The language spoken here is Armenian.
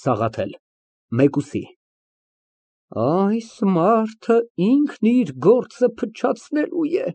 ՍԱՂԱԹԵԼ ֊ (Մեկուսի) Այս մարդն ինքն իր գործը փչացնելու է։